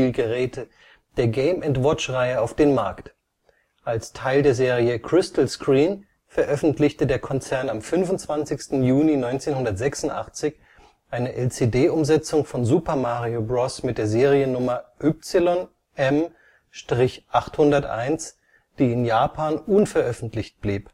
LCD-Spiel-Geräte der Game -&- Watch-Reihe auf den Markt. Als Teil der Serie „ Crystal Screen “veröffentlichte der Konzern am 25. Juni 1986 eine LCD-Umsetzung von Super Mario Bros. mit der Seriennummer YM-801, die in Japan unveröffentlicht blieb